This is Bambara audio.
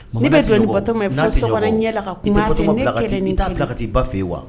N bɛ tigɛ kelen taa bila ka'i ba fɛ yen wa